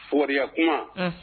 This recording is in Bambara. Bo kuma